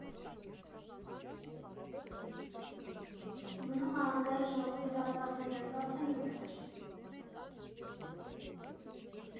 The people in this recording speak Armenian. Մնում ա Ազգային Ժողովի դարպասներն էլ բացեն ու վերջ։